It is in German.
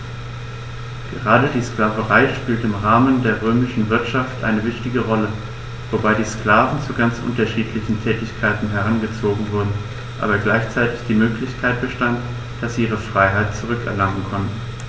Gerade die Sklaverei spielte im Rahmen der römischen Wirtschaft eine wichtige Rolle, wobei die Sklaven zu ganz unterschiedlichen Tätigkeiten herangezogen wurden, aber gleichzeitig die Möglichkeit bestand, dass sie ihre Freiheit zurück erlangen konnten.